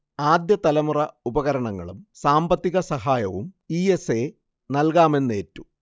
ആദ്യതലമുറ ഉപകരണങ്ങളും സാമ്പത്തികസഹായവും E S A നൽകാമെന്നേറ്റു